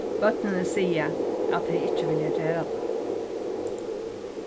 børnini siga at tey ikki vilja gera tað